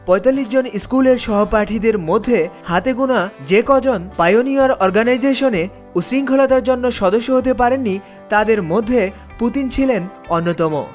৪৫ জন স্কুলের সহপাঠীদের মধ্যে হাতেগোনা যে কয়জন পাইওনিয়ার অর্গানাইজেশনে ঊশৃংখলতার জন্য সদস্য হতে পারেননি তাদের মধ্যে পুতিন ছিলেন অন্যতম